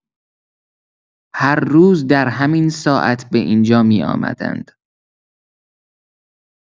هر روز در همین ساعت به این‌جا می‌آمدند.